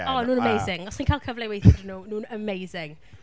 O, o nhw'n amazing. Os chi'n cael cyfle i weithio gyda nhw, nhw'n amazing.